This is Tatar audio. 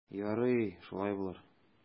Ярый, шулай булыр.